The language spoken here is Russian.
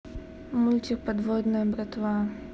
мультик подводная братва